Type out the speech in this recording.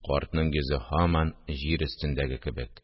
Картның йөзе һаман җир өстендәге кебек